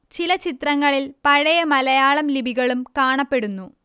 ചില ചിത്രങ്ങളിൽ പഴയ മലയാളം ലിപികളും കാണപ്പെടുന്നു